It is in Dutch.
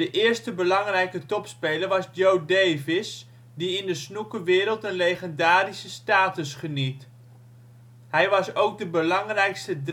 eerste belangrijke topspeler was Joe Davis, die in de snookerwereld een legendarische status geniet. Hij was ook de belangrijkste